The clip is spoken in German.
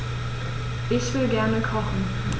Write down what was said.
Ich will gerne kochen.